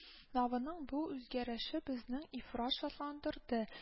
Наваның бу үзгәреше безне ифрат шатландырды